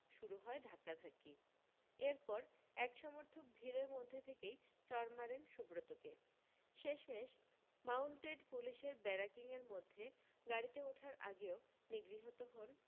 শুরু হয় ধাক্কাধাককি এরপর এক সমর্থক ভিড়ের মধ্যে থেকেই চড় মারেন সুব্রতকে শেষমেষ মাউন্টেড পুলিশের ব্যারাকিংয়ের মধ্যে গাড়িতে ওঠার আগেও নিগৃহীত হন